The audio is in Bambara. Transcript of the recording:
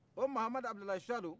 o mahamadu abudulayi suwadu